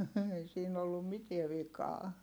ei siinä ollut mitään vikaa